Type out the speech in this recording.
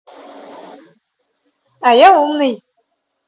а я умный